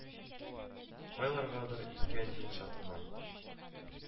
Кайларгадыр илткән юл чатыннан